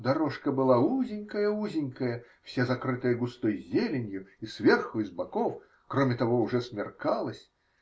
Дорожка была узенькая-узенькая, вся закрытая густой зеленью и сверху, и с боков кроме того, уже смеркалось.